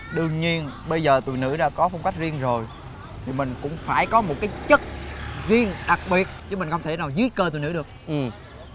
đương nhiên bây giờ tụi nữ đã có phong cách riêng rồi thì mình cũng phải có một cái chất riêng đặc biệt chứ mình không thể nào dưới cơ tụi nó được ừ